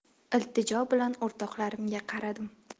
iltijo bilan o'rtoqlarimga qaradim